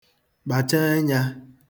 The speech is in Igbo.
kpàcha ẹnyā